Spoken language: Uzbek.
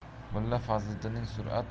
mulla fazliddinning surat